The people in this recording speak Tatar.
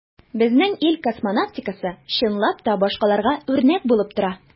Безнең ил космонавтикасы, чынлап та, башкаларга үрнәк булып тора.